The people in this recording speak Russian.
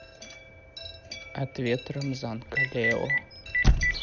ответ рамзан kaleo